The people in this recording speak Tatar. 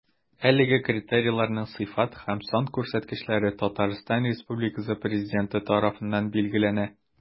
Әлеге критерийларның сыйфат һәм сан күрсәткечләре Татарстан Республикасы Президенты тарафыннан билгеләнә.